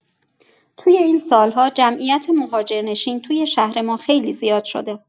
توی این سال‌ها، جمعیت مهاجرنشین توی شهر ما خیلی زیاد شده.